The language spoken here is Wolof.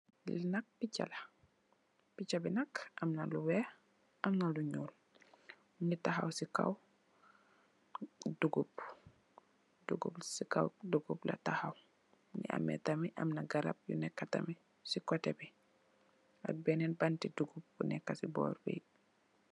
Li nak pitcha la pitcha bi nak am na lu weex ak lu nyul mu ngi takaw ci kaw dogub ci kaw dogub la tahaw fum neka tamit ci cotte bi am na beneen banti dogub bu neka ci bor bi.